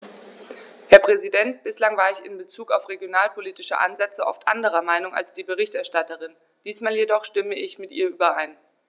Herr Präsident, bislang war ich in bezug auf regionalpolitische Ansätze oft anderer Meinung als die Berichterstatterin, diesmal jedoch stimme ich mit ihr überein.